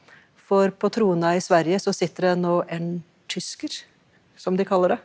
for på trona i Sverige så sitter det nå en tysker, som de kaller det.